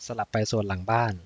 สลับไปสวนหลังบ้าน